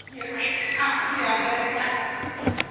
gì vậy mày à chi vậy đại ca hả